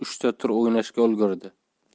uchta tur o'ynashga ulgurdi